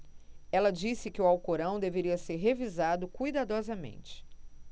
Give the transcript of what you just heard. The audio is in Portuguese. ela disse que o alcorão deveria ser revisado cuidadosamente